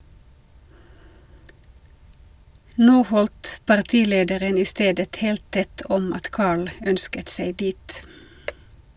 - Nå holdt partilederen i stedet helt tett om at Carl ønsket seg dit.